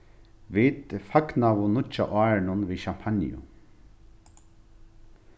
vit fagnaðu nýggja árinum við sjampanju